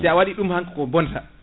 si a waɗi ɗum han koko bonta